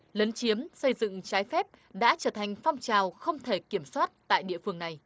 lấn chiếm xây dựng trái phép đã trở thành phong trào không thể kiểm soát tại địa phương này